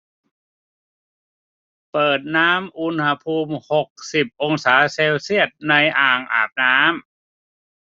เปิดน้ำอุณหภูมิหกสิบองศาเซลเซียสในอ่างอาบน้ำ